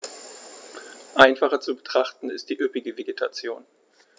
Einfacher zu betrachten ist die üppige Vegetation.